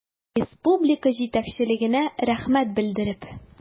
Республика җитәкчелегенә рәхмәт белдереп.